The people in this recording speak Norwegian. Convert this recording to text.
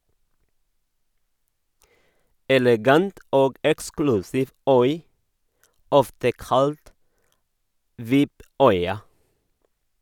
Elegant og eksklusiv øy, ofte kalt "VIP- øya".